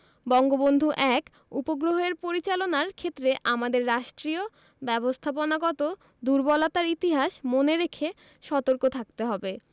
বঙ্গবন্ধু ১ উপগ্রহের পরিচালনার ক্ষেত্রে আমাদের রাষ্ট্রীয় ব্যবস্থাপনাগত দূর্বলতার ইতিহাস মনে রেখে সতর্ক থাকতে হবে